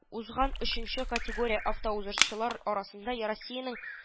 Узган оченче категория автоузышчылар арасында россиянең